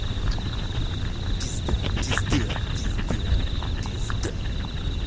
пизда пизда пизда пизда